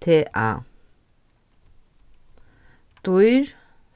t a dýr